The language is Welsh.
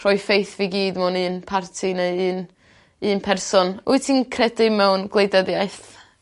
rhoifaith fi gyd mewn un parti neu un un person. Wyt ti'n credu mewn gwleidyddiaeth?